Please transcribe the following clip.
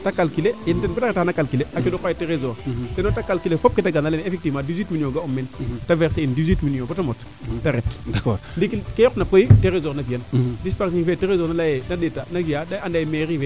te calculer ku refna taaga xana calculer a coxo qoxe tresor teno te calculer fop keete ga'na a leyne effectivement dix huit million ga'um meen te verser in dix huit million bata mot te ret ndiiki ke yoqna koy tresr na fiyan disperser fee tresor naa fiyan a leyee na ndeeta na fiya tena anda ye mairie fee